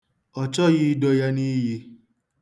Ọ chọghị ido ya n'iyi.